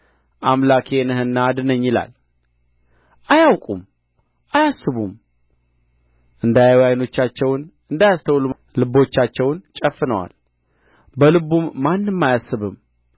አምላኬ ነህና አድነኝ ይላል አያውቁም አያስቡም እንዳያዩ ዓይኖቻቸውን እንዳያስተውሉ ልቦቻቸውን ጨፍነዋል በልቡም ማንም አያስብም